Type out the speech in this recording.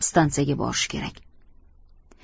stansiyaga borish kerak